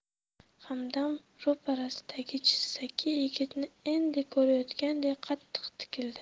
hamdam ro'parasidagi jizzaki yigitni endi ko'rayotganday qattiq tikildi